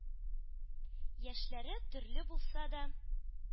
Яшьләре төрле булса да,